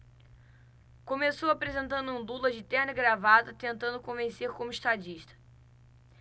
começou apresentando um lula de terno e gravata tentando convencer como estadista